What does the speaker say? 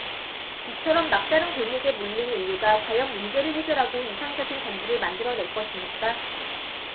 이처럼 막다른 골목에 몰린 인류가 과연 문제를 해결하고 이상적인 정부를 만들어 낼 것입니까